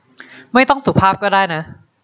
ไม่ต้องสุภาพก็ได้นะ